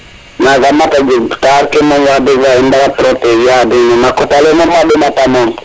maga mat a jeg ta taxar ke mom wax deg fa yala i mbara proteger a den moom a kota le moom a ɗoma ta moom